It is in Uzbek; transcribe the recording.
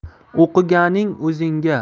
o'qiganing o'zingga